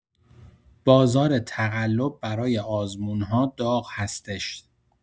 بازار تقلب برای آزمون‌‌ها داغ هستش!